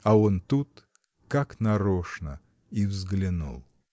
А он тут, как нарочно, и взглянул!